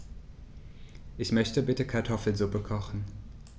Ich möchte bitte Kartoffelsuppe kochen.